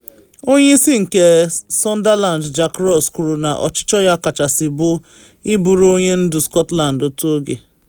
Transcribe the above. Onye isi nke Sunderland Jack Ross kwuru na “ọchịchọ ya kachasị” bụ ịbụrụ onye ndu Scotland otu oge.